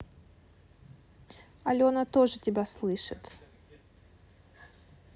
alena тоже тебя слышит